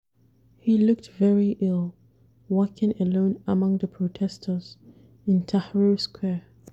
He looked very ill, walking alone among the protestors in Tahrir square.